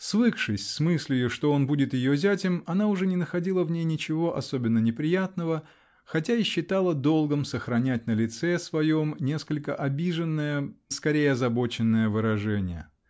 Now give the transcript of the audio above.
свыкшись с мыслию, что он будет ее зятем, она уже не находила в ней ничего особенно неприятного, хотя и считала долгом сохранять на лице своем несколько обиженное. скорей озабоченное выражение.